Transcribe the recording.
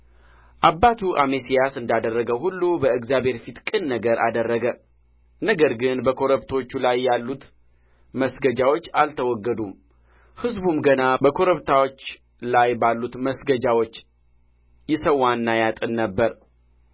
አባቱ አሜስያስ እንዳደረገው ሁሉ በእግዚአብሔር ፊት ቅን ነገር አደረገ ነገር ግን በኮረብቶች ላይ ያሉት መስገጃዎች አልተወገዱም ሕዝቡም ገና በኮረብቶች ላይ ባሉት መስገጃዎች ይሠዋና ያጥን ነበር